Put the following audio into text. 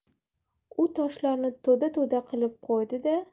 u toshlarni to'da to'da qilib qo'ydi da